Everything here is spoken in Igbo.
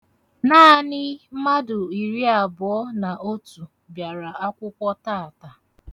Naanị mmadụ iriabụọ na otu bịara akwụkwọ taata.